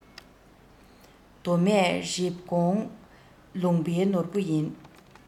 མདོ སྨད རེབ གོང ལུང པའི ནོར བུ ཡིན